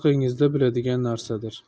haqingizda biladigan narsadir